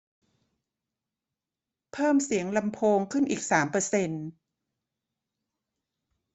เพิ่มเสียงลำโพงขึ้นอีกสามเปอร์เซ็นต์